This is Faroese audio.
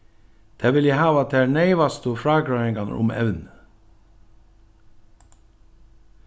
tey vilja hava tær neyvastu frágreiðingarnar um evnið